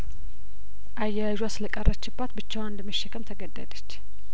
አያያዧ ስለቀረችባት ብቻዋን ለመሸከም ተገደደች